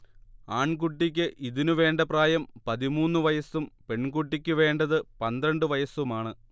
ആൺകുട്ടിക്ക് ഇതിനു വേണ്ട പ്രായം പതിമൂന്ന് വയസ്സും പെൺകുട്ടിക്കു വേണ്ടത് പന്ത്രണ്ട് വയസ്സുമാണ്